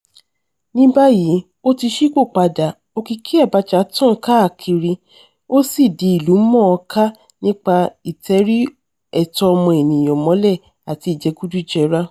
Ní báyìí ó ti ṣípò-padà, òkìkí Abacha tàn káàkiri ó sì di ìlú-mọ̀-ọ́-ká nípa ìtẹrí ẹ̀tọ́ ọmọ-ènìyàn mọ́lẹ̀ àti ìjẹgùdùjẹrà.